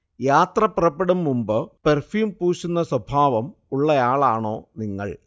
യാത്ര പുറപ്പെടും മുൻപ് പെർഫ്യൂം പൂശുന്ന സ്വഭാവം ഉള്ളയാളാണോ നിങ്ങൾ